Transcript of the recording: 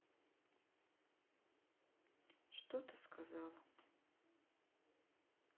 что ты сказала